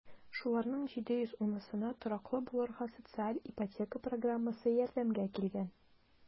Шуларның 710-сына тораклы булырга социаль ипотека программасы ярдәмгә килгән.